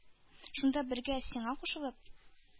Шунда бергә, сиңа кушылып?